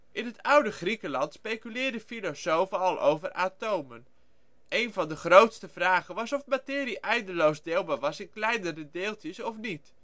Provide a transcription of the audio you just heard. In het oude Griekenland speculeerden filosofen al over atomen (zie atomisme). Een van de grootste vragen was of materie eindeloos deelbaar was in kleinere deeltjes of niet